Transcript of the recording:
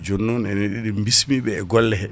jooni non en eɗen bismiɓe e golle he